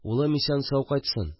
Улым исән-сау кайтсын